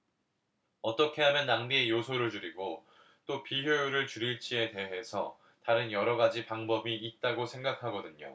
어떻게 하면 낭비의 요소를 줄이고 또 비효율을 줄일지에 대해서 다른 여러 가지 방법이 있다고 생각하거든요